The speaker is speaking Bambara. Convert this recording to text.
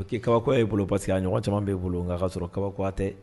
Ko kabakɔ e' bolo parce que a ɲɔgɔn caman b' bolo n' kaa sɔrɔ kabakɔ tɛ